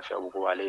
A u koale